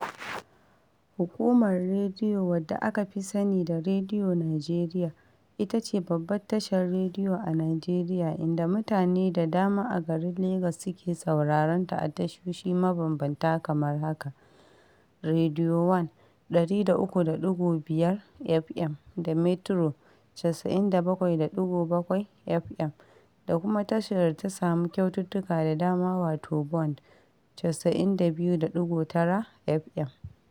Hukumar Rediyo, wadda aka fi sani da Rediyo Najeriya ita ce babbar tashar rediyo a Najeriya, inda mutane da dama a garin Lagos suke sauraron ta a tashoshi mabambanta kamar haka: Radio One 103.5 FM da Metro 97.7 FM da kuma tashar da ta samu kyaututtuka da dama wato Bond 92.9 FM.